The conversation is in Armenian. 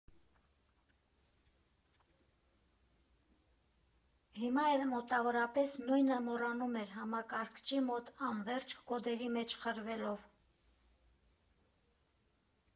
Հիմա էլ մոտավորապես նույնը մոռանում էր համակարգչի մոտ, անվերջ կոդերի մեջ խրվելով։